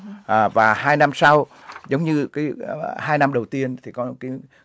à và hai năm sau giống như cái hai năm đầu tiên thì có cái